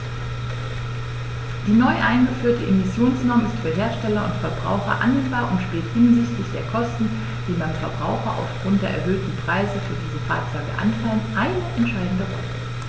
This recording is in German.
Die neu eingeführte Emissionsnorm ist für Hersteller und Verbraucher annehmbar und spielt hinsichtlich der Kosten, die beim Verbraucher aufgrund der erhöhten Preise für diese Fahrzeuge anfallen, eine entscheidende Rolle.